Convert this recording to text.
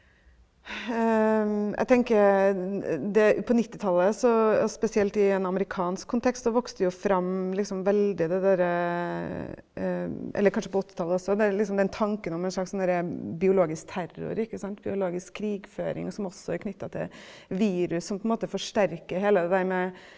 jeg tenker det på nittitallet så og spesielt i en amerikansk kontekst så vokste jo fram liksom veldig det derre , eller kanskje på åttitallet også, den liksom den tanken om en slags sånn der biologisk terror ikke sant biologisk krigføring som også er knytta til virus som på en måte forsterker hele det der med,